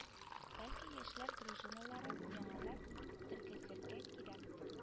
Бәлки яшьләр дружиналарын яңадан тергезергә кирәктер